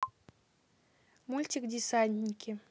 мультик десантники